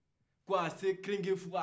ka ta se kɛrɛgefuga